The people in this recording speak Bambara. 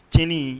Tiɲɛin